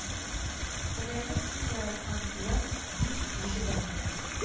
Ходайның иң яраткан колы – дин тотучы бәндә